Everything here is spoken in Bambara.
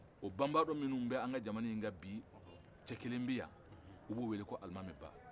o banabandɔ minnun bɛ an ka jamana in kan bi cɛ kelen bɛ yan o b'o wele ko alimami ba